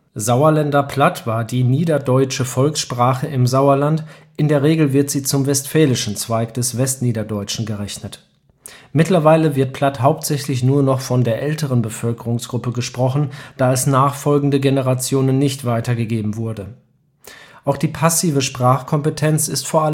Sauerländer Platt war die niederdeutsche Volkssprache im Sauerland, in der Regel wird sie zum westfälischen Zweig des Westniederdeutschen gerechnet. Mittlerweile wird Platt hauptsächlich nur noch von der älteren Bevölkerungsgruppe gesprochen, da es nachfolgende Generationen nicht weitergegeben wurde. Auch die passive Sprachkompetenz ist vor